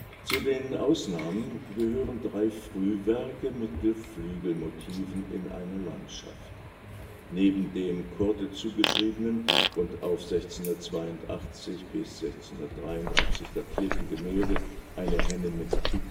Zu den Ausnahmen gehören drei Frühwerke mit Geflügelmotiven in einer Landschaft. Neben dem Coorte zugeschriebenen und auf 1682 / 1683 datierten Gemälde Eine Henne mit Küken